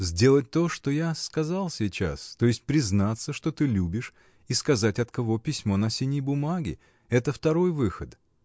— Сделать то, что я сказал сейчас, то есть признаться, что ты любишь, и сказать, от кого письмо на синей бумаге! это — второй выход.